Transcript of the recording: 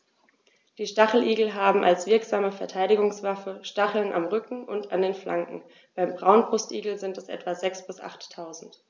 Die Stacheligel haben als wirksame Verteidigungswaffe Stacheln am Rücken und an den Flanken (beim Braunbrustigel sind es etwa sechs- bis achttausend).